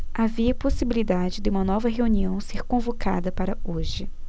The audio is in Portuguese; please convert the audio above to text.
havia possibilidade de uma nova reunião ser convocada para hoje